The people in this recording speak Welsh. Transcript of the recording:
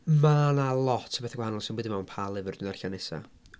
Mae 'na lot o bethau gwahanol sy'n mynd i mewn pa lyfr dwi'n ddarllen nesa.